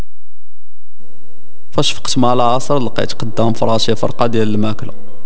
بس قسما العصر لقيت قدام فراس الفرقدين